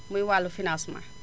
muy wàllu financement